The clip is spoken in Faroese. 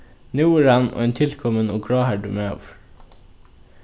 nú er hann ein tilkomin og gráhærdur maður